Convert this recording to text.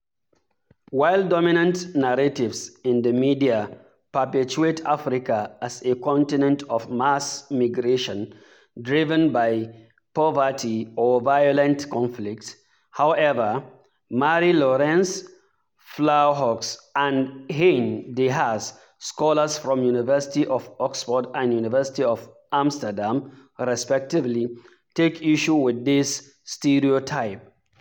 While dominant narratives in the media perpetuate Africa as a continent of mass migration driven by poverty or violent conflict, however, Marie-Laurence Flahaux and Hein De Haas, scholars from University of Oxford and University of Amsterdam, respectively, take issue with this stereotype.